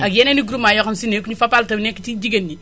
ak yeneen i groupement yoo xam si ne nekkuñu Fapal te nekk ci jigéen ñi